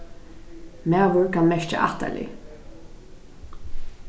maður kann merkja ættarlið